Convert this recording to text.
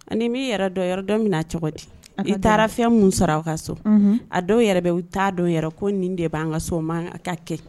N'i m'i yɛrɛ dɔn, yɛrɛ dɔ min cogo di ?i taara fɛn min sɔrɔ aw ka so a dɔw yɛrɛ bɛ yen u t'a don yɛrɛ ko nin de b'an ka so a man ka kɛ.